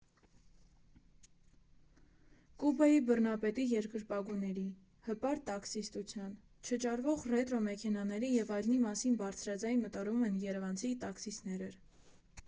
Կուբայի բռնապետի երկրպագուների, հպարտ տաքսիստության, չճարվող ռետրո֊մեքենաների և այլնի մասին բարձրաձայն մտորում են երևանցի տաքսիստներըր։